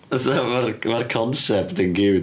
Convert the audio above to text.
Fatha ma'r- ma'r concept yn ciwt.